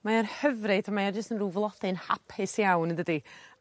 mae o'n hyfryd a mae o jyst yn ryw flody'n hapus iawn yndydi?